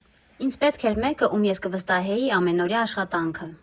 Ինձ պետք էր մեկը, ում ես կվստահեի ամենօրյա աշխատանքը։